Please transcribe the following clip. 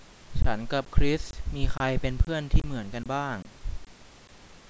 ฉันกับคริสมีใครเป็นเพื่อนที่เหมือนกันบ้าง